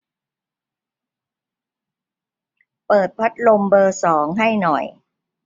เปิดพัดลมเบอร์สองให้หน่อย